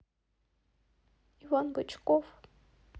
иван бычков